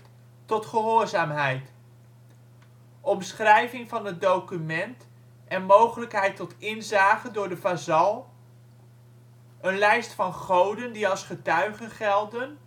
gehoorzaamheid; omschrijving van het document en mogelijkheid tot inzage door de vazal; een lijst van goden die als getuigen gelden